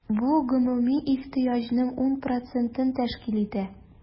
Бу гомуми ихтыяҗның 10 процентын тәшкил итә.